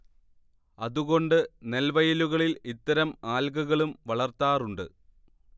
അതുകൊണ്ട് നെൽവയലുകളിൽ ഇത്തരം ആൽഗകളും വളർത്താറുണ്ട്